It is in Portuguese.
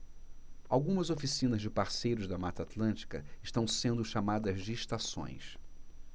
algumas oficinas de parceiros da mata atlântica estão sendo chamadas de estações